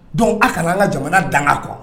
Donc a kana an ka jamana danga quoi